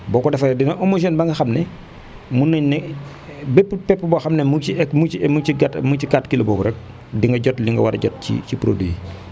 boo ko defee dina homogène ba nga xam ne mun nañu ne bépp pepp boo xam ne mu ngi ci hec mu ngi ci mu ngi ci 4 kilos boobu rek di nga jot li nga war a jot ci ci produit